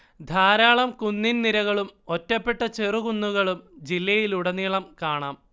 ധാരാളം കുന്നിൻ നിരകളും ഒറ്റപ്പെട്ട ചെറുകുന്നുകളും ജില്ലയിലുടനീളം കാണാം